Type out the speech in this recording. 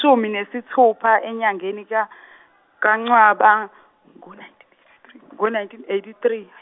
shumi nesithupa enyangeni kaNcwaba ngo nineteen eighty three.